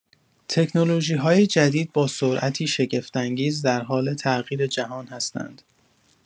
تکنولوژی‌های جدید با سرعتی شگفت‌انگیز در حال تغییر جهان هستند.